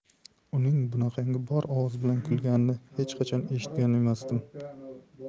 uning bunaqangi bor ovoz bilan kulganini hech qachon eshitgan emasdim